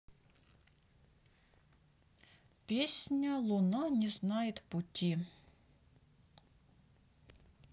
песня луна не знает пути